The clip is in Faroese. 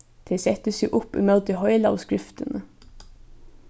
tey settu seg upp ímóti heilagu skriftini